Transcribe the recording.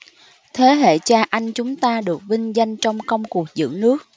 thế hệ cha anh chúng ta được vinh danh trong công cuộc giữ nước